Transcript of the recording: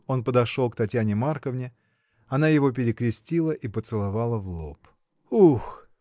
Он подошел к Татьяне Марковне: она его перекрестила и поцеловала в лоб. — Ух!